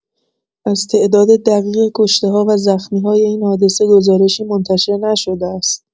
از تعداد دقیق کشته‌ها و زخمی‌های این حادثه گزارشی منتشر نشده است.